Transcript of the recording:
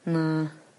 Na.